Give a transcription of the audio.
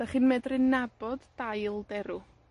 'Dach chi'n medru nabod dail derw